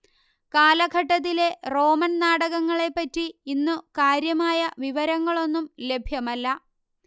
കാലഘട്ടത്തിലെ റോമൻ നാടകങ്ങളെപ്പറ്റി ഇന്നു കാര്യമായ വിവരങ്ങളൊന്നും ലഭ്യമല്ല